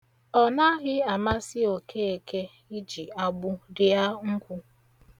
Ọnaghị amasị Okeke iji agbụ rịa nkwu.